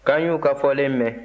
k'an y'u ka fɔlen mɛn